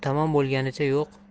tamom bo'lganicha yo'q